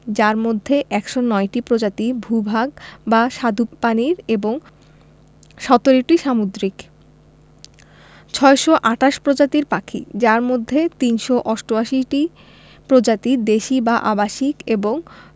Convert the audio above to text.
যার মধ্যে ১০৯টি প্রজাতি ভূ ভাগ বা স্বাদুপানির এবং ১৭টি সামুদ্রিক ৬২৮ প্রজাতির পাখি যার মধ্যে ৩৮৮টি প্রজাতি দেশী বা আবাসিক এবং